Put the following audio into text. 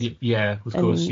Ie ie wrth gwrs ie.